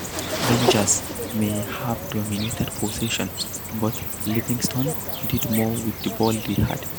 Rangers may have dominated possession but Livingston did more with the ball they had.